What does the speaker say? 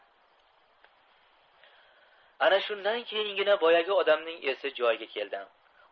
ana shundan keyingina boyagi odamning esi joyiga keldi